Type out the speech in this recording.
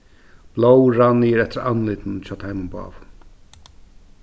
blóð rann niður eftir andlitinum hjá teimum báðum